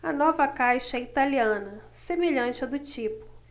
a nova caixa é italiana semelhante à do tipo